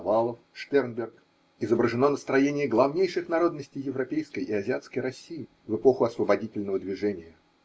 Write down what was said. Авалов, Л. Штернберг, изображено на строение главнейших народностей европейской и азиатской России в эпоху освободительного движения.